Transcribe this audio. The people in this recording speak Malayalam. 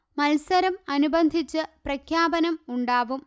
മത്സരം അനുബന്ധിച്ച് പ്രഖ്യാപനം ഉണ്ടാവും